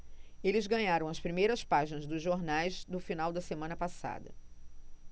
eles ganharam as primeiras páginas dos jornais do final da semana passada